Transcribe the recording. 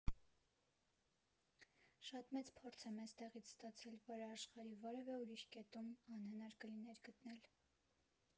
Շատ մեծ փորձ եմ էստեղից ստացել, որը աշխարհի որևէ ուրիշ կետում անհնար կլիներ գտնել։